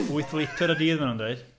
Wyth litr y dydd mae nhw'n dweud.